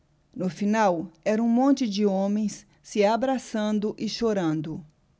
no final era um monte de homens se abraçando e chorando